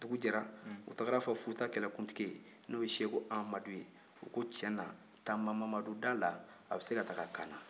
dugu jɛra u taara a fɔ futa kɛlɛkuntigi n'o ye seku amadu ye u ko tiɲɛna tanba mamadu dala a bɛ se ka taa kaana